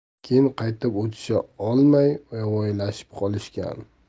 keyin qaytib o'tisha olmay yovvoyilashib qolishgan